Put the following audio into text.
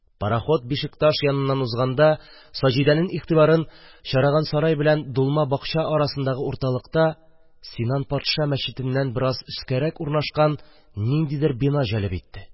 Пароход Бишекташ яныннан узганда, Саҗидәнең игътибарын Чараган сарай белән Дулма бакча арасындагы урталыкта, Синан патша мәчетеннән бераз өскәрәк урнашкан ниндидер бина җәлеп итте.